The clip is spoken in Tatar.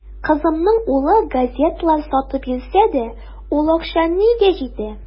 Кызымның улы газеталар сатып йөрсә дә, ул акча нигә җитә.